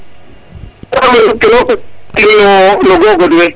te ande tigo no gogod we